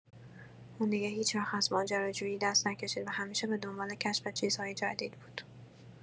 اون دیگه هیچوقت از ماجراجویی دست نکشید و همیشه به دنبال کشف چیزهای جدید بود.